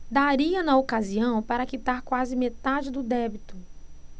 daria na ocasião para quitar quase metade do débito